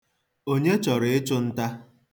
Onye choro ịchụ nta?